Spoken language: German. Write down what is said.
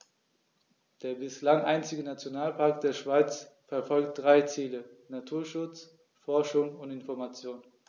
Der bislang einzige Nationalpark der Schweiz verfolgt drei Ziele: Naturschutz, Forschung und Information.